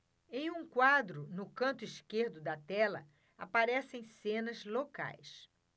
em um quadro no canto esquerdo da tela aparecem cenas locais